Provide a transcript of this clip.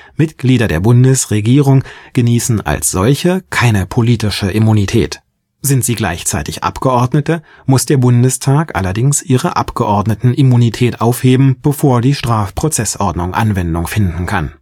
Mitglieder der Bundesregierung genießen als solche keine politische Immunität. Sind sie gleichzeitig Abgeordnete, muss der Bundestag allerdings ihre Abgeordneten-Immunität aufheben, bevor die Strafprozessordnung Anwendung finden kann